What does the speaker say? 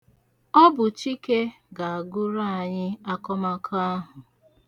Ọ bụ Chike ga agụrụ anyị akọmakọ ahụ.